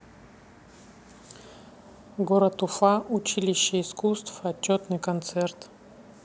город уфа училище искусств отчетный концерт